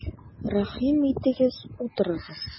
Рәхим итегез, утырыгыз!